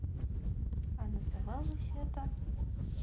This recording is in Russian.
а называлось это